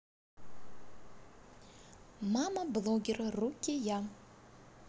мама блогер рукия